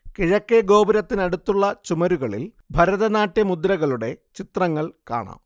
കിഴക്കേ ഗോപുരത്തിനടുത്തുള്ള ചുമരുകളിൽ ഭരതനാട്യ മുദ്രകളുടെ ചിത്രങ്ങൾ കാണാം